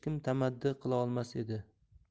kim tamaddi qila olmas edi